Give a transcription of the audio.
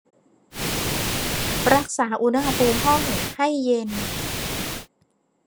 รักษาอุณหภูมิห้องให้เย็น